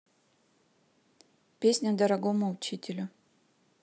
песня дорогому учителю